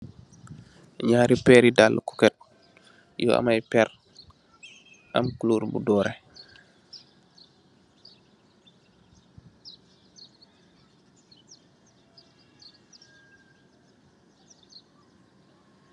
Ñaari peeri daalë koket, mungi am ay per. Am kulor bu doore.